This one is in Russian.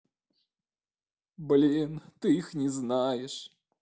блин ты их не знаешь